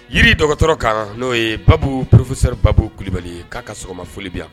Yiri dɔgɔ dɔgɔtɔrɔ ka n'o ye baabu porourpkisɛsɛbabuli kulubali ye k'a ka sɔgɔma foliya yan